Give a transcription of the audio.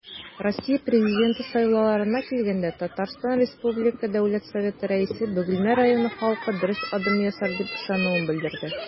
Россия Президенты сайлауларына килгәндә, ТР Дәүләт Советы Рәисе Бөгелмә районы халкы дөрес адым ясар дип ышануын белдерде.